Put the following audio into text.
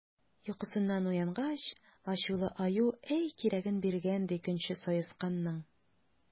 Йокысыннан уянгач, ачулы Аю әй кирәген биргән, ди, көнче Саесканның!